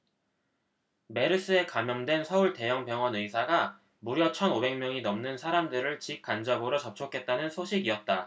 메르스에 감염된 서울 대형 병원 의사가 무려 천 오백 명이 넘는 사람들을 직 간접으로 접촉했다는 소식이었다